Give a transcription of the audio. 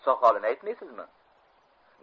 soqolini aytmaysizmi